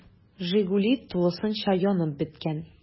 “жигули” тулысынча янып беткән.